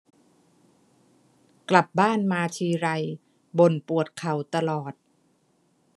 กลับบ้านมาทีไรบ่นปวดเข่าตลอด